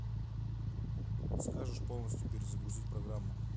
сможешь полностью перезагрузить программу